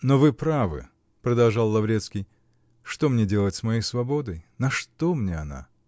-- Но вы правы, -- продолжал Лаврецкий, -- что мне делать с моей свободой? На что мне она?